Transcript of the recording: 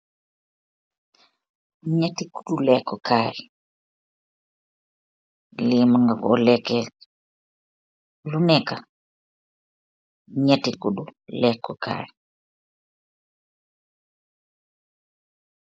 Njeti kudu lehku kaii, lii mun nga kor lehkeh lu neka, njeti kudu lehku kaii.